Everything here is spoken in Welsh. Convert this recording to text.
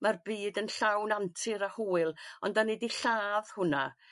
Ma'r byd yn llawn antur a hwyl ond 'dan ni 'di lladd hwnna.